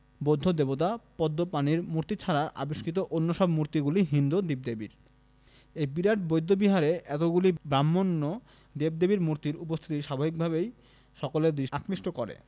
বৌদ্ধ দেবতা পদ্মপাণির মূর্তি ছাড়া আবিষ্কৃত অন্য সব মূর্তিগুলি হিন্দু দেবদেবীর এই বিরাট বৌদ্ধ বিহারে এতগুলি ব্রাক্ষ্মণ্য দেব দেবীর মূতির্র উপস্থিতি স্বাভাবিকভাবেই সকলের দৃষ্টি আকৃষ্ট করে